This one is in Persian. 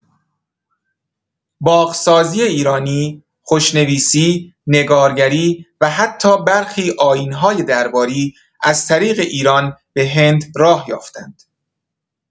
باغ‌سازی ایرانی، خوشنویسی، نگارگری و حتی برخی آیین‌های درباری، از طریق ایران به هند راه یافتند.